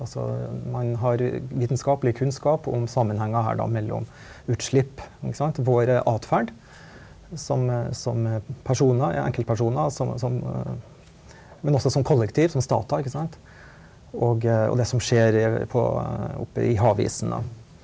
altså man har vitenskapelig kunnskap om sammenhenger her da mellom utslipp ikke sant våre atferd som som personer enkeltpersoner som som men også som kollektiv som stater ikke sant og og det som skjer på opp i havisen da.